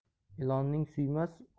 ilonning suymas o'ti